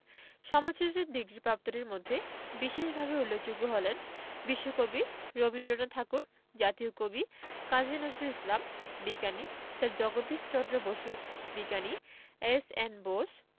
সম্মানসূচক ডিগ্রিপ্রাপ্তদের মধ্যে বিশেষভাবে উল্লেখযোগ্য হলেন বিশ্বকবি রবীন্দ্রনাথ ঠাকুর জাতীয় কবি কাজী নজরুল ইসলাম বিজ্ঞানী স্যার জগদীশ চন্দ্র বসু বিজ্ঞানী এস.এন বোস